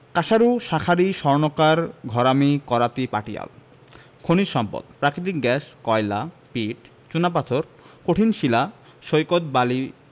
কাঁসারু শাঁখারি স্বর্ণকার ঘরামি করাতি পাটিয়াল খনিজ সম্পদঃ প্রাকৃতিক গ্যাস কয়লা পিট চুনাপাথর কঠিন শিলা সৈকত বালি